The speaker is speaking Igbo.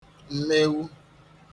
mmewu